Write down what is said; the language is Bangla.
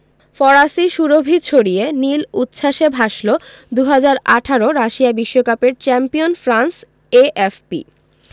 ফরাসি সুরভি ছড়িয়ে নীল উচ্ছ্বাসে ভাসল ২০১৮ রাশিয়া বিশ্বকাপের চ্যাম্পিয়ন ফ্রান্স এএফপি